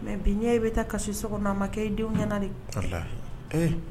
Mɛ bi ɲɛ e bɛ taa kasi so sɔgɔma a ma ko e denw ɲɛnaana de